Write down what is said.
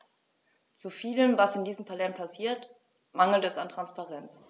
Zu vielem, was in diesem Parlament passiert, mangelt es an Transparenz.